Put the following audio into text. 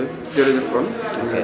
ok jërëjëf kon